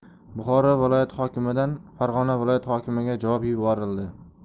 buxoro viloyati hokimidan farg'ona viloyati hokimiga javob yuborildi